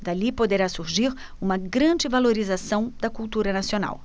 dali poderá surgir uma grande valorização da cultura nacional